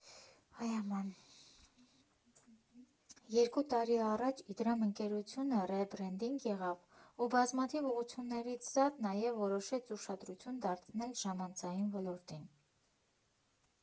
Երկու տարի առաջ Իդրամ ընկերությունը ռեբրենդինգ եղավ ու բազմաթիվ ուղղություններից զատ նաև որոշեց ուշադրություն դարձնել ժամանցային ոլորտին։